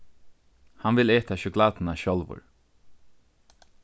hann vil eta sjokulátuna sjálvur